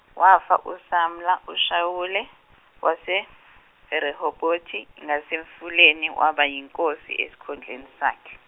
wafa uSamla uShawule, wase- e- Rehobhothi ngasemfuleni waba inkosi esikhundleni sakhe.